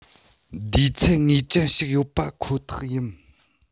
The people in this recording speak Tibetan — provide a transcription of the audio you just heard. འདུས ཚད ངེས ཅན ཞིག ཡོད པ ཁོ ཐག ཡིན